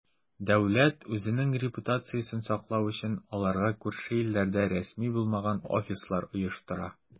Дәүләт, үзенең репутациясен саклау өчен, аларга күрше илләрдә рәсми булмаган "офислар" оештыра.